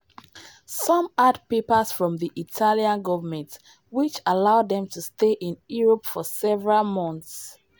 Some had papers from the Italian government which allowed them to stay in Europe for several months.